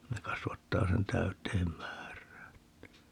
ne kasvattaa sen täyteen määrään että